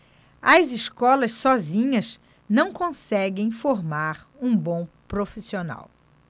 as escolas sozinhas não conseguem formar um bom profissional